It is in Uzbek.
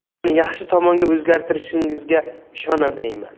men siz dunyoni yaxshi tomonga o'zgartirishingizga ishonmayman